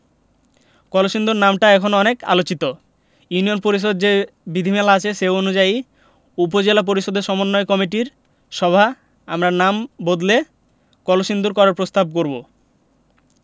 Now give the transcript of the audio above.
কলসিন্দুর নামটা এখন অনেক আলোচিত ইউনিয়ন পরিষদের যে বিধিমালা আছে সে অনুযায়ী উপজেলা পরিষদের সমন্বয় কমিটির সভায় আমরা নাম বদলে কলসিন্দুর করার প্রস্তাব করব